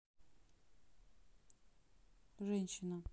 женщина